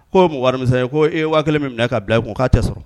Ko wari mi ye ko e wa kɛlen min minɛ na k' bila k'a tɛ sɔrɔ